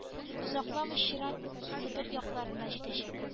Озакламый чират себер якларына да җитәчәк